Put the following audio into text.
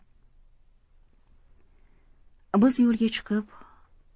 biz yo'lga chiqib